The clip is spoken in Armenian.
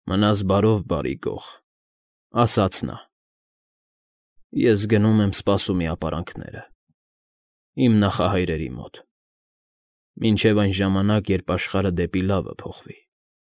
Մնաս բարով, բարի Գող,֊ ասաց նա։֊ Ես գնում եմ սպասումի ապարանքները, իմ նախահայրերի մոտ, մինչև այն ժամանակ, երբ աշխարհը դեպի լավը փոխվի։